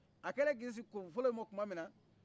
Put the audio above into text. a kelen k'i si kɔfolo yi ma kumaminna